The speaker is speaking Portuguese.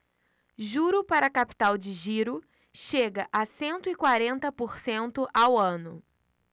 juro para capital de giro chega a cento e quarenta por cento ao ano